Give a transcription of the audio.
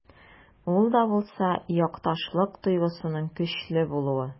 Ул да булса— якташлык тойгысының көчле булуы.